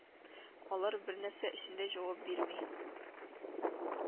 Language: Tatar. Алар бернәрсә өчен дә җавап бирми